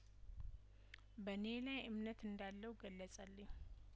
በኔ ላይእምነት እንዳለው ገለጸልኝ